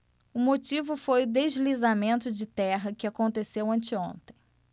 o motivo foi o deslizamento de terra que aconteceu anteontem